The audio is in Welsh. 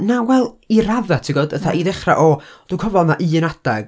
Na wel, i raddau, tibod, fatha, i ddechrau, o! Dwi'n cofio oedd 'na un adeg...